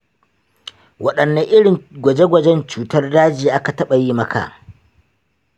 wadanne irin gwaje-gwajen cutar daji aka taɓa yi maka?